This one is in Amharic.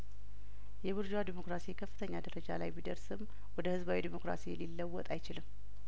የቡርዧ ዴሞክራሲ ከፍተኛ ደረጃ ላይ ቢደርስም ወደ ህዝባዊ ዴሞክራሲ ሊለወጥ አይችልም